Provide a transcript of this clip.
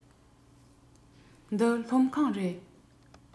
འདི སློབ ཁང རེད